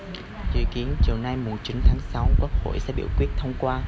dự kiến chiều nay mùng chín tháng sáu quốc hội sẽ biểu quyết thông qua